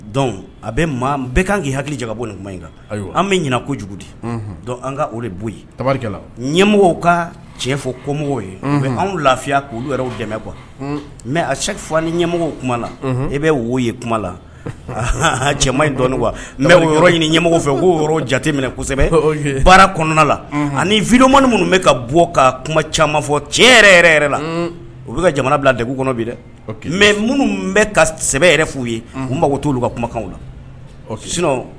Dɔnku a bɛ maa bɛɛ kan k'i hakili jabɔ nin kuma in kan an bɛ ɲinin jugudi an ka o de bɔ yeri ɲɛmɔgɔ ka cɛn fɔ ko ye anw lafiya k'olu yɛrɛ dɛmɛ kuwa mɛ a se fɔ ni ɲɛmɔgɔ kuma la e bɛ wo ye kuma la cɛ in dɔnnii mɛ yɔrɔ ɲini ɲɛmɔgɔ fɛ yɔrɔ jate minɛ kosɛbɛ baara kɔnɔna la ani vmani minnu bɛ ka bɔ ka kuma caman fɔ cɛ yɛrɛ yɛrɛ yɛrɛ la u bɛ ka jamana bila dɛg kɔnɔ bi dɛ mɛ minnu bɛ ka sɛbɛnbɛ yɛrɛ f'u ye toolu ka kumakan la ɔ